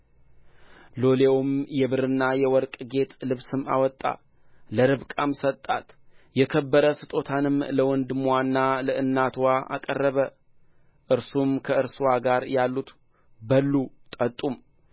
ሎሌውም የብርና የወርቅ ጌጥ ልብስም አወጣ ለርብቃም ሰጣት የከበረ ስጦታንም ለወንድምዋና ለእናትዋ አቀረበ እርሱም ከእርሱም ጋር ያሉት በሉ ጠጡም